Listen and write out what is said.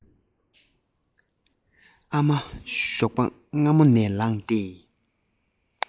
ཨ མ ཞོགས པ སྔ མོ ནས ལངས ཏེ